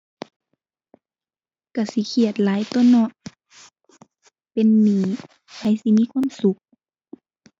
ก็สิเครียดหลายตั่วเนาะ เป็นหนี้ไผสิมีความสุข